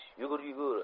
yugur yugur